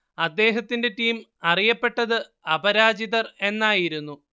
അദ്ദേഹത്തിന്റെ ടീം അറിയപ്പെട്ടത് അപരാജിതർ എന്നായിരുന്നു